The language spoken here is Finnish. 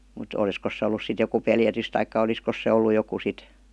mutta olisikos se ollut sitten joku pelätys tai olisikos se ollut joku sitten